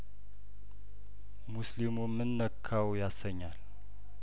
ሙስሊሙምን ነካው ያሰኛል